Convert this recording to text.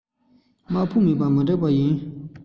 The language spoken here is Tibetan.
དམག ཕོགས མེད ན མི འགྲིག པ ཡིན